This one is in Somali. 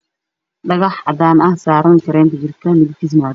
Dhagax cadan ah saran karen jirka